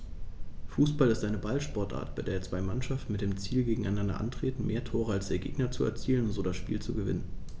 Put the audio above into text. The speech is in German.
Fußball ist eine Ballsportart, bei der zwei Mannschaften mit dem Ziel gegeneinander antreten, mehr Tore als der Gegner zu erzielen und so das Spiel zu gewinnen.